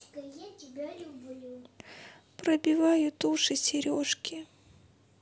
пробивают уши сережки